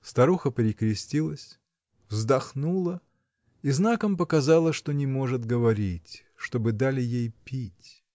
Старуха перекрестилась, вздохнула, и знаком показала, что не может говорить, чтобы дали ей пить.